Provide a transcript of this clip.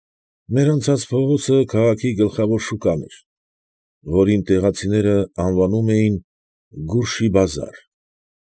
Մեր անցած փողոցը քաղաքի գլխավոր շուկան էր, որին տեղացիները անվանում էին Գուրջի֊բազար։